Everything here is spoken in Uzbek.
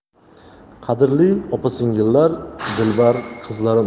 qadrli opa singillar dilbar qizlarim